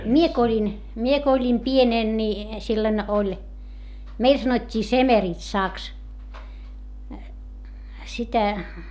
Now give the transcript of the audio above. minä kun olin minä kun olin pienenä niin silloin oli meillä sanottiin semeritsaksi sitä